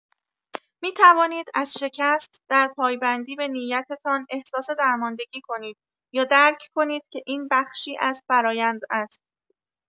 می‌توانید از شکست در پایبندی به نیتتان احساس درماندگی کنید یا درک کنید که این بخشی از فرایند است.